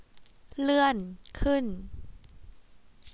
เลื่อนขึ้น